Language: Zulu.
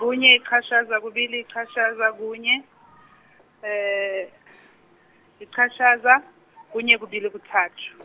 kunye yichashaza kubili yichashaza kunye , yichashaza, kunye kubili kuthathu .